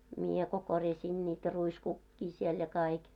minä kun korjasin niitä ruiskukkia siellä ja kaikki